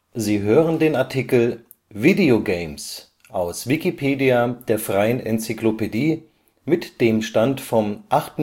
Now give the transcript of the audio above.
Sie hören den Artikel Video Games, aus Wikipedia, der freien Enzyklopädie. Mit dem Stand vom Der